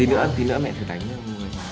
tí nữa tí nữa mẹ thử đánh